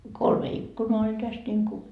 no kolme ikkunaa oli tästä niin kuin